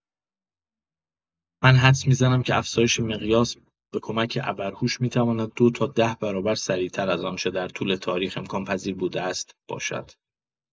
من حدس می‌زنم که افزایش مقیاس به کمک ابرهوش می‌تواند ۲ تا ۱۰ برابر سریع‌تر از آنچه در طول تاریخ امکان‌پذیر بوده است، باشد.